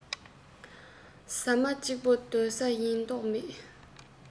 ཟ མ གཅིག པོའི སྡོད ས ཡིན མདོག མེད